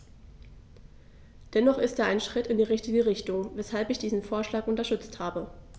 Dennoch ist er ein Schritt in die richtige Richtung, weshalb ich diesen Vorschlag unterstützt habe.